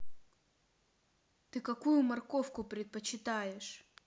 ты какую морковку предпочитаешь